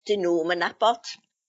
'dyn nw'm yn nabot...